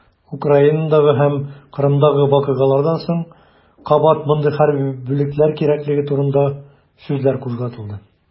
Украинадагы һәм Кырымдагы вакыйгалардан соң кабат мондый хәрби бүлекләр кирәклеге турында сүзләр кузгалды.